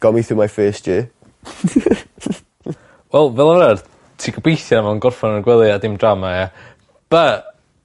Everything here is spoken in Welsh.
Got me through my first year. Wel fel arfer ti gobeithio mae o'n gorffan yn y gwely a dim drama ia? Bu'